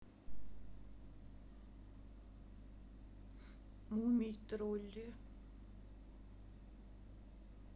мумий тролли